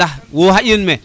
ndax wo xaƴi me